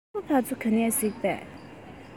ཁམ བུ ཕ ཚོ ག ནས གཟིགས པ